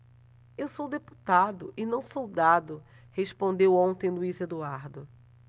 eu sou deputado e não soldado respondeu ontem luís eduardo